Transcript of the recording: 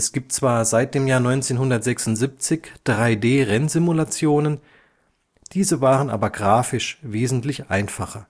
gibt zwar seit 1976 3D-Rennsimulationen, diese waren aber grafisch wesentlich einfacher